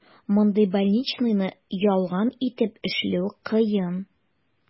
Мондый больничныйны ялган итеп эшләү кыен.